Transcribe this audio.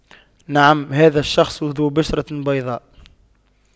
نعم هذا الشخص ذو بشرة بيضاء